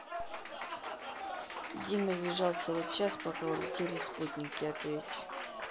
дима визжал целый час пока улетели спутники ответь